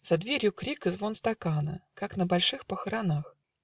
За дверью крик и звон стакана, Как на больших похоронах